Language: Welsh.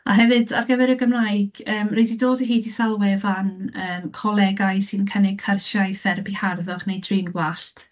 A hefyd ar gyfer y Gymraeg, yym, rwy 'di dod o hyd i sawl wefan, yym, colegau sy'n cynnig cyrsiau therapi harddwch neu trin gwallt.